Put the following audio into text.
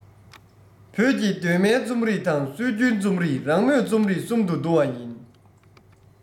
བོད ཀྱི གདོད མའི རྩོམ རིག དང སྲོལ རྒྱུན རྩོམ རིག རང མོས རྩོམ རིག གསུམ དུ འདུ བ ཡིན